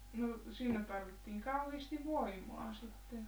no siinä tarvittiin kauheasti voimaa sitten